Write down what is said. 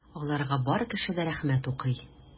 Аларга бар кеше дә рәхмәт укый.